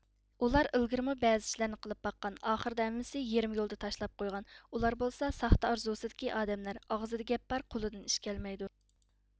ئۇلار ئىلگىرىمۇ بەزى ئىشلارنى قىلىپ باققان ئاخىرىدا ھەممىسى يېرىم يولدا تاشلاپ قويغان ئۇلار بولسا ساختا ئارزۇسىدىكى ئادەملەر ئاغزىدا گەپ بار قولىدىن ئىش كەلمەيدۇ